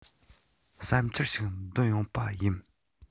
བསམ འཆར ཞིག འདོན ཡོང པ ཡིན